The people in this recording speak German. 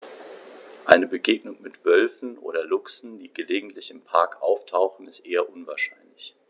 Eine Begegnung mit Wölfen oder Luchsen, die gelegentlich im Park auftauchen, ist eher unwahrscheinlich.